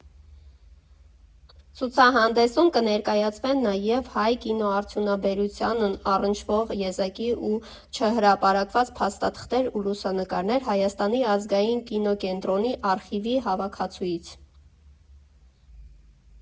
Ցուցահանդեսում կներկայացվեն նաև հայ կինոարդյունաբերությանն առնչվող եզակի ու չհրապարակված փաստաթղթեր և լուսանկարներ Հայաստանի ազգային կինոկենտրոնի արխիվի հավաքածուից։